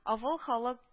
Авыл халык